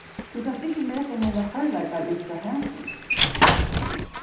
tú kanst ikki meta um mínar førleikar út frá hasum